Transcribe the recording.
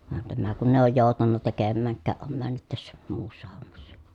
vaan tämä kun ei ole joutanut tekemäänkään on mennyt tässä muussa hommassa